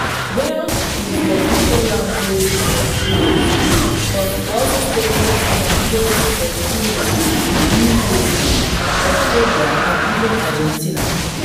Welsh is the official language of Wales, but is also spoken in some places of England, New Zealand, Australia and even Argentina.